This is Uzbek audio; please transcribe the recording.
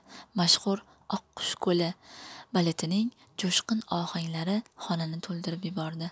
mashhur oqqush ko'li baletining jo'shqin ohanglari xonani to'ldirib yubordi